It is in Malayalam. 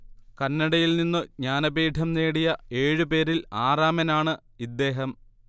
കന്നഡയിൽ നിന്നു ജ്ഞാനപീഠം നേടിയ ഏഴുപേരിൽ ആറാമൻ ആണ് ഇദ്ദേഹം